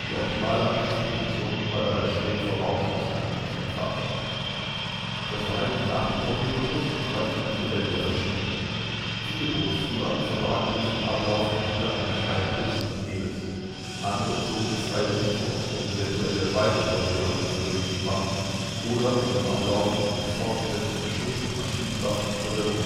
optimale Angriffsposition war dabei schräg voraus des angegriffenen Fahrzeugs. Das Verhalten nach dem Torpedoschuss war individuell verschieden. Viele Bootsführer verbargen sich im Ablaufen hinter einem Schleier künstlichen Nebels, andere zogen die freie Sicht vor, um eventuelle weitere Torpedoangriffe möglich zu machen, oder um im Ablaufen durch fortgesetzten Beschuss mit Maschinenwaffen Verwirrung